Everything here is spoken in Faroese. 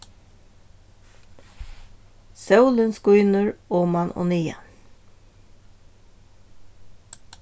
sólin skínur oman og niðan